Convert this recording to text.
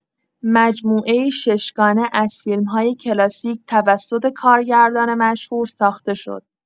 مجموعه‌ای ششگانه از فیلم‌های کلاسیک توسط کارگردان مشهور ساخته شد.